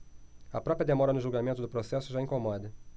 a própria demora no julgamento do processo já incomoda